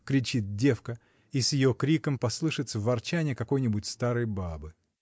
— кричит девка, и с ее криком послышится ворчанье какой-нибудь старой бабы.